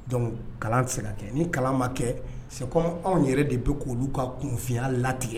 Donc kalan tɛ se ka kɛ, ni kalan ma kɛ c'est comme anw yɛrɛ de bɛ k'olu ka kunfiya latigɛ.